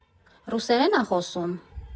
Ռուսերեն ա՞ խոսում։